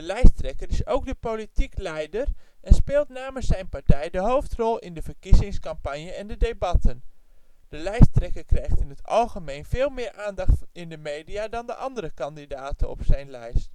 lijsttrekker is ook de politiek leider en speelt namens zijn partij de hoofdrol in de verkiezingscampagne en de debatten. De lijsttrekker krijgt in het algemeen veel meer aandacht in de media dan de andere kandidaten op zijn lijst.